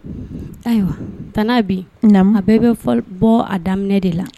Ayiwa tan bi na bɛɛ bɛ fɔ bɔ a daminɛ de la